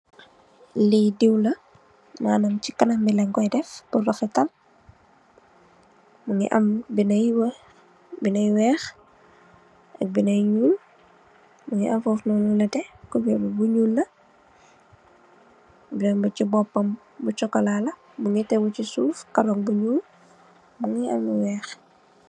Lii diiw la manam ci kanam bi lañko def pur refetal, mungi am binda yu weex, ak binda yu ñuul, mungi am fof lu neteh, cubeer bi bulo la, benna ci bopam sokolala mu tegu ci suuf kanam bi ñuul, mungi am lu weex.